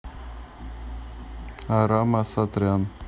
aram asatryan